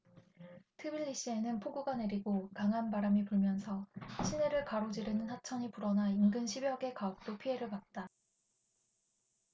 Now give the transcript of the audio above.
트빌리시에는 폭우가 내리고 강한 바람이 불면서 시내를 가로지르는 하천이 불어나 인근 십 여 개 가옥도 피해를 봤다